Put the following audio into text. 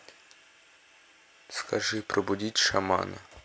скажи пробудить шамана